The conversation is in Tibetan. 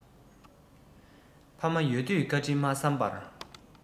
ཕ མ ཡོད དུས བཀའ དྲིན མ བསམས པར